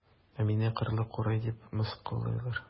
Ә мине кырлы курай дип мыскыллыйлар.